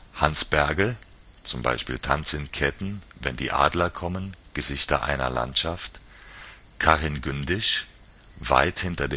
Hans Bergel Tanz in Ketten, Wenn die Adler kommen, Gesichter einer Landschaft Karin Gündisch Weit, hinter